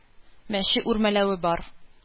Мәче үрмәләве бар.